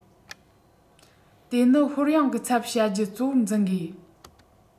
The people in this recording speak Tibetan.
དེ ནི ཧོལ ཡང གི ཚལ བྱ རྒྱུ གཙོ བོར འཛིན དགོས